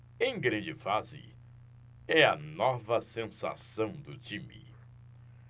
em grande fase é a nova sensação do time